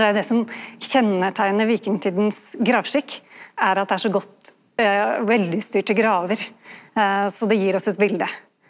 det er jo det som kjenneteiknar vikingtidas gravskikk er at det er så godt velutstyrte graver så det gir oss eit bilete.